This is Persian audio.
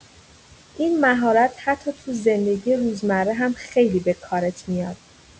این مهارت حتی تو زندگی روزمره هم خیلی به کارت میاد.